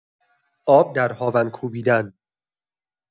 آب در هاون کوبیدن